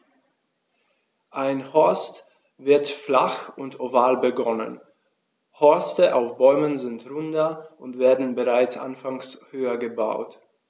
Ein Horst wird flach und oval begonnen, Horste auf Bäumen sind runder und werden bereits anfangs höher gebaut.